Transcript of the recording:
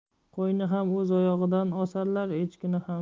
qo'yni ham o'z oyog'idan osarlar echkini ham